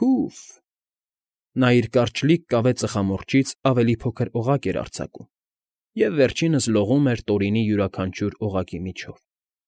Փո՜ւֆ, նա իր կարճլիկ կավե ծխամորճից ավելի փոքր օղակ էր արձակում, և վերջիսն լողում էր Տորինի յուրաքանչյուր օղակի միջով։